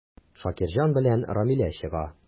Шакирҗан белән Рамилә чыга.